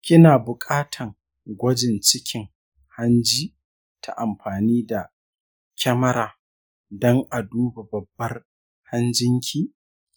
kina bukatan gwajin cikin hanji ta amfani da kyamara don a duba babbar hanjin ki.